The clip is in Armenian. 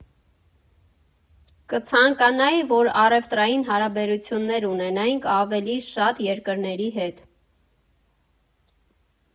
Կցանկանայի, որ առևտրային հարաբերություններ ունենայինք ավելի շատ երկրների հետ։